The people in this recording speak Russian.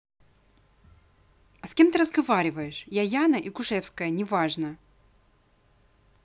а с кем ты разговариваешь я яна и кушевская неважно